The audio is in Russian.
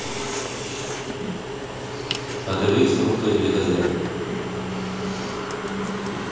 а ты выяснил кто тебе хозяин